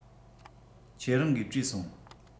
ཁྱེད རང གིས དྲིས སོང